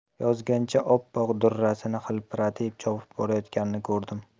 yozgancha oppoq durrasini hilpiratib chopib borayotganini ko'rdim